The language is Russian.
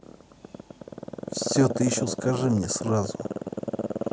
все ты еще скажи мне сразу